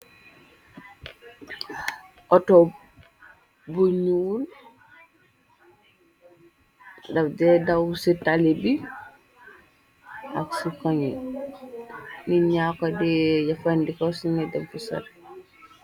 Oto bu ñuul daw de daw ci tali bi ak ci koni nit ñako dee yafandiko sini demfusar.